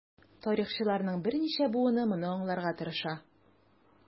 Тарихчыларның берничә буыны моны аңларга тырыша.